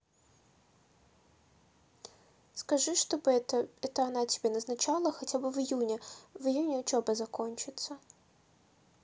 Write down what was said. скажи что бы это это она тебе назначала хотя бы в июне в июне учеба закончится